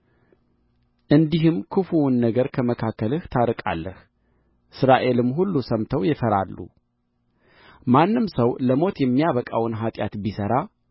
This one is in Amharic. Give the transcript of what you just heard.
እንዲህም ክፉውን ነገር ከመካከልህ ታርቃለህ እስራኤልም ሁሉ ሰምተው ይፈራሉ ማንም ሰው ለሞት የሚያበቃውን ኃጢአት ቢሠራ